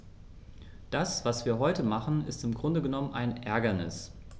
Das, was wir heute machen, ist im Grunde genommen ein Ärgernis.